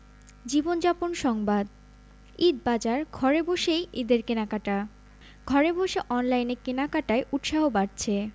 জীবনযাপন সংবাদ ঈদ বাজার ঘরে বসেই ঈদের কেনাকাটা ঘরে বসে অনলাইনে কেনাকাটায় উৎসাহ বাড়ছে